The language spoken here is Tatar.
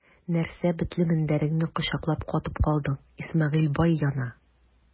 Нәрсә бетле мендәреңне кочаклап катып калдың, Исмәгыйль бай яна!